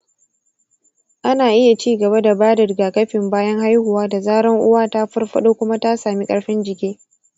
ana iya ci gaba da ba da rigakafin bayan haihuwa da zaran uwa ta farfado kuma ta sami ƙarfin jiki.